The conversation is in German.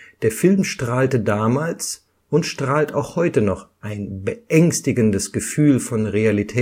Der Film strahlte damals und strahlt auch heute noch ein beängstigendes Gefühl von Realität